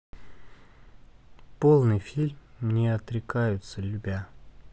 полный фильм не отрекаются любя